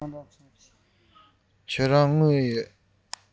ཁྱེད རང ལ དངུལ ད པས